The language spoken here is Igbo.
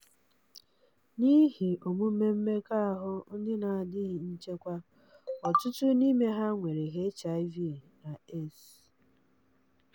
N'ihi omume mmekọahụ ndị na-adịghị nchekwa, ọtụtụ n'ime ha nwere HIV na AIDS.